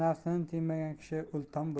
nafsini tiymagan kishi ulton bo'lur